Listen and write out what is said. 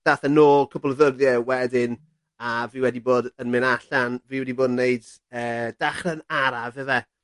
dath e nôl cwpl o ddyddie wedyn a fi wedi bod yn mynd allan fi wedi bod wnued yy dechre'n araf yfe?